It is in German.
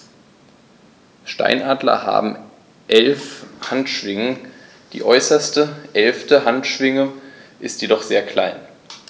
Steinadler haben 11 Handschwingen, die äußerste (11.) Handschwinge ist jedoch sehr klein.